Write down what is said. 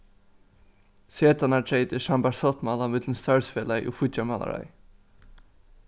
setanartreytir sambært sáttmála millum starvsfelagið og fíggjarmálaráðið